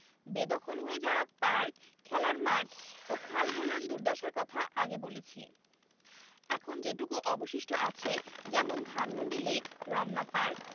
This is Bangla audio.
বেদখল হয়ে যাওয়া পার্ক খেলার মাঠ ও খালগুলোর দুর্দশার কথা আগে বলেছি এখন যেটুকু অবশিষ্ট আছে যেমন ধানমন্ডি লেক রমনা পার্ক